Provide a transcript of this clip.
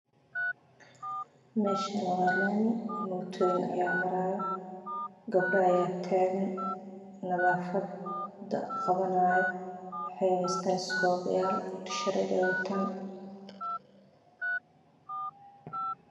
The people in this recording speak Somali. Meshan waa lami motoyahin aya marayo gabdho ayaa tagan nadafad qabanaya waxey heestan iskoboyal idhashareer ayey watan